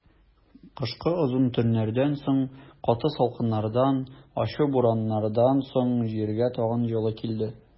Кышкы озын төннәрдән соң, каты салкыннардан, ачы бураннардан соң җиргә тагын җылы килде.